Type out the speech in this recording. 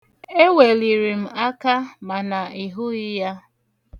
Eweliri m aka mana ị hụghị ya.